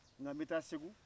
n ka n bɛ taa segu